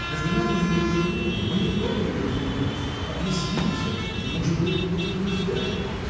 Между нами недоразумение: мы не поняли друг друга — объяснимся — и, может быть, мы будем друзьями.